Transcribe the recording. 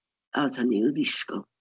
A oedd hynny i'w ddisgwyl.